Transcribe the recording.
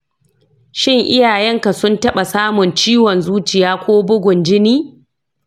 shin, iyayen ka sun taɓa samun ciwon zuciya ko bugun jini?